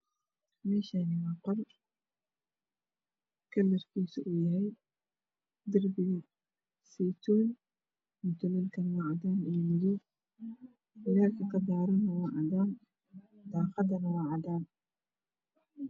Meeshaan waa qol kalarkiisuna uu yahay cadeys darbigana waa saytuun. Mutuleel kuna waa cadaan iyo madow leyrka ka daarana waa cadaan daaqaduna waa cadaan.